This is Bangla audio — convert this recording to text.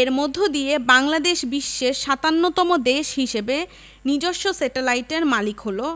এর মধ্য দিয়ে বাংলাদেশ বিশ্বের ৫৭তম দেশ হিসেবে নিজস্ব স্যাটেলাইটের মালিক হলো